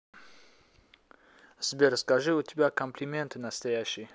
сбер скажи у тебя комплименты настоящий